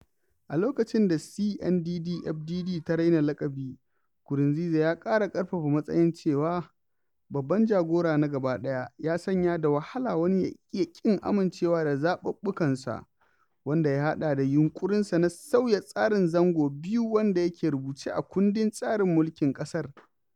A lokacin da CNDD-FDD ta raina laƙabi, Nkurunziza ya ƙara ƙarfafa matsayin cewa "babban jagora na gabaɗaya" ya sanya da wahala wani ya iya ƙin amincewa da zaɓuɓɓukansa, wanda ya haɗa da yunƙurinsa na sauya tsarin zango biyu wanda yake rubuce a kundin tsarin mulkin ƙasar.